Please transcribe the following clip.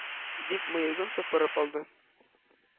Дип, мыегын сыпырып алды.